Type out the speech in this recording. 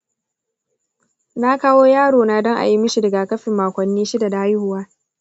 na kawo yarona don ayi mishi rigakafin makonni shida da haihuwa.